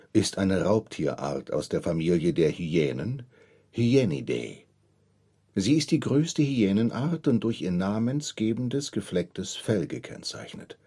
ist eine Raubtierart aus der Familie der Hyänen (Hyaenidae). Sie ist die größte Hyänenart und durch ihr namensgebendes geflecktes Fell gekennzeichnet